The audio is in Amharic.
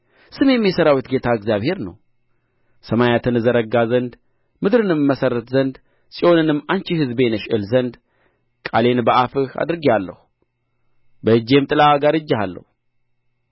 ስሜም የሠራዊት ጌታ እግዚአብሔር ነው ሰማያትን እዘረጋ ዘንድ ምድርንም እመሠርት ዘንድ ጽዮንንም አንቺ ሕዝቤ ነሽ እል ዘንድ ቃሌን በአፍህ አድርጌአለሁ በእጄም ጥላ ጋርጄሃለሁ